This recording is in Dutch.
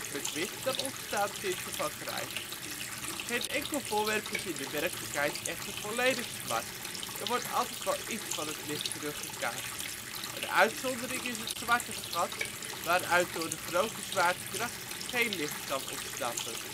met wit, dan ontstaan tinten van grijs. Van donker naar licht (grote afbeelding): 000000 111111 222222 333333 444444 555555 666666 777777 998888 999999 AAAAAA BBBBBB CCCCCC DDDDDD EEEEEE FFFFFF Geen enkel voorwerp is in de werkelijkheid echter volledig zwart, er wordt altijd wel iets van het licht teruggekaatst. Een uitzondering is het zwarte gat, waaruit door de grote zwaartekracht geen licht kan ontsnappen